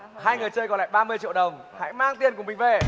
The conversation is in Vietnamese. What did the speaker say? hai người chơi còn lại ba mươi triệu đồng hãy mang tiền của mình về